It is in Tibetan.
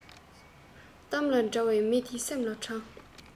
གཏམ ལ དྲང བའི མི དེ སེམས ལ དྲང